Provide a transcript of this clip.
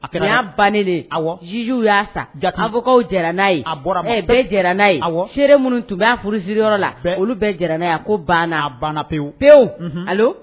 A kɛra' bannen a zzjuw y'a sa jaka fɔkaw jɛra n'a ye a bɔra jɛra n'a ye a feereere minnu tun b'a furusiyɔrɔ la olu bɛɛ jɛra n' yan ko banna banna pewu pewu